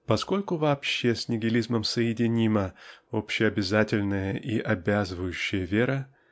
Поскольку вообще с нигилизмом соединима общеобязательная и обязывающая вера